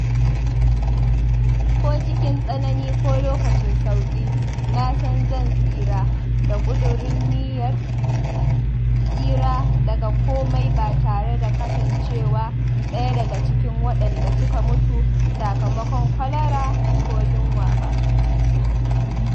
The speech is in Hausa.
Ko cikin tsanani ko lokacin sauƙi, na san zan tsira, na ƙuduri niyyar tsira daga komai ba tare da kasancewa ɗaya daga cikin waɗanda suka mutu sakamakon kwalara ko yunwa ba.